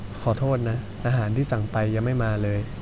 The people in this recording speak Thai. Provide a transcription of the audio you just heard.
ขอโทษนะอาหารที่สั่งไปยังไม่มาเลย